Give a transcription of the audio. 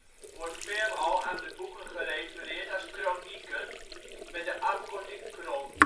veelal aan de boeken gerefereerd als Kronieken, met de afkorting " Kron